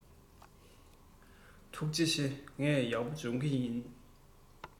ཐུགས རྗེ ཆེ ངས ཡག པོ སྦྱོང གི ཡིན